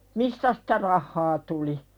mistä sitä rahaa tuli